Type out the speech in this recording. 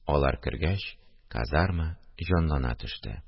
Алар кергәч, казарма җанлана төште